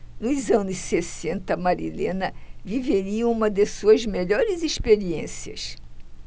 nos anos sessenta marilena viveria uma de suas melhores experiências